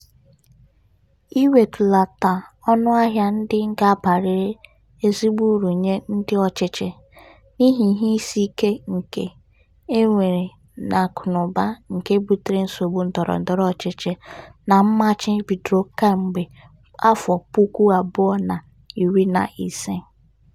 Iwetulata ọnụahịa ndị ga-abarịrị ezigbo uru nye ndị ọchịchị, n'ihi ihe isiike nke e nwere n'akụnụba nke butere nsogbu ndọrọ ndọrọ ọchịchị na mmachi bidoro kemgbe 2015.